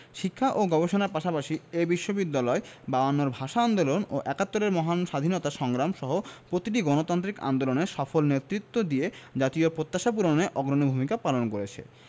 শিক্ষা ও গবেষণার পাশাপাশি এ বিশ্ববিদ্যালয় বায়ান্নর ভাষা আন্দোলন ও একাত্তরের মহান স্বাধীনতা সংগ্রাম সহ প্রতিটি গণতান্ত্রিক আন্দোলনে সফল নেতৃত্ব দিয়ে জাতীয় প্রত্যাশা পূরণে অগ্রণী ভূমিকা পালন করেছে